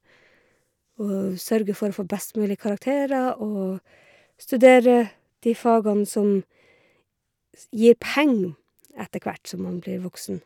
Og sørge for å få best mulig karakterer og studere de fagene som s gir penger etter hvert som man blir voksen.